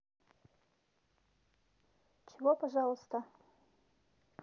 чего пожалуйста